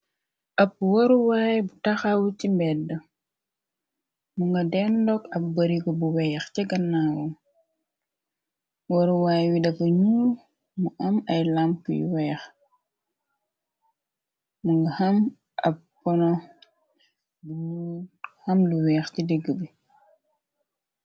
ab waruwaay bu taxaw ci mbedd mu nga deen ndokg ab barigu bu weex ce gannaawum waruwaay yi daba ñuul mu am ay lamp yu weex mu nga xam ab pono bu xam lu weex ci digg bi